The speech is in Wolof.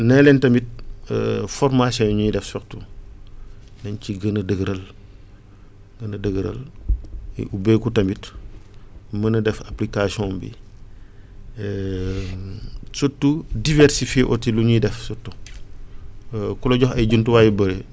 nee nañ tamit formations yi ñuy def surtout nañ ciy gën a dëgëral gën a dëgëral ubbeeku tamit mën a def application bi surtout diversifier aussi lu ñuy def surtout ku la jox ay jumtuwaay yu bëri